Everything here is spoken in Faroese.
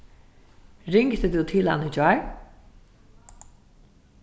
ringdi tú til hann í gjár